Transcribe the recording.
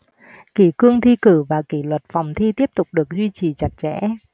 kỷ cương thi cử và kỷ luật phòng thi tiếp tục được duy trì chặt chẽ